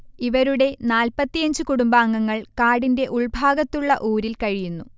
ഇവരുടെ നാല്പ്പത്തിയഞ്ച് കുടുംബാംഗങ്ങൾ കാടിന്റെ ഉൾഭാഗത്തുള്ള ഊരിൽ കഴിയുന്നു